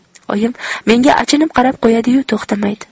onam menga achinib qarab qo'yadi yu to'xtamaydi